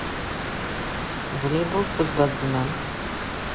волейбол кузбасс динамо